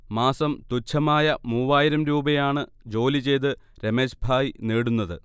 മാസം തുച്ഛമായ മൂവായിരം രൂപയാണ് ജോലി ചെയ്ത് രമേശ്ഭായ് നേടുന്നത്